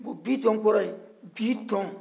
bon bitɔn kɔrɔ ye bi tɔn